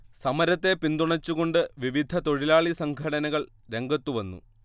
സമരത്തെ പിന്തുണച്ചുകൊണ്ട് വിവിധതൊഴിലാളി സംഘടനകൾ രംഗത്തു വന്നു